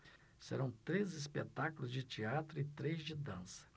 serão três espetáculos de teatro e três de dança